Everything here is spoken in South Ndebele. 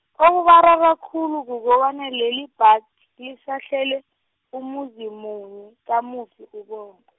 okubarara khulu kukobana lelibhadi lisahlele, umuzi munye, kamufi uBong- .